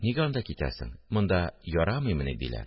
Нигә анда китәсең, монда ярамыймыни? – диләр